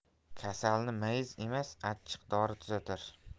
kasalni mayiz emas achchiq dori tuzatar